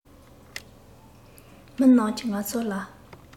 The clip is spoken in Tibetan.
མི རྣམས ཀྱིས ང ཚོ ལ